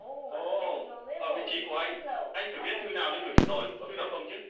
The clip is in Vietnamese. ồ ở vị trí của anh anh phải biết thư nào nên gửi cho tôi thư nào không chứ